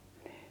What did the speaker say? niin